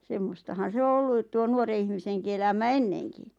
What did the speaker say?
semmoistahan se on ollut tuo nuoren ihmisenkin elämä ennenkin